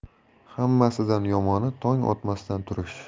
hammasidan yomoni tong otmasdan turish